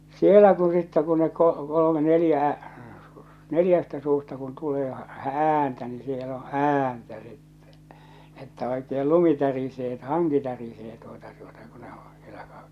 siellä kun sitten kun ne - kolme neljä neljästä suusta kun tulee ääntä niin siellä on ääntä sitten että oikein lumi tärisee että hanki tärisee tuota tuota kun ne on siellä -